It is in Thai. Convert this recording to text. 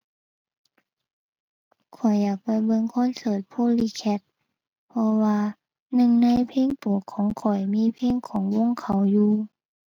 ข้อยอยากไปเบิ่งคอนเสิร์ต Polycat เพราะว่า หนึ่งในเพลงโปรดของข้อยมีเพลงของวงเขาอยู่